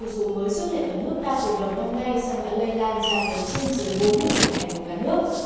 dù mới xuất hiện ở nước ta từ đầu năm nay song đã lây lan ra tới trên dưới bốn mươi tỉnh thành của cả nước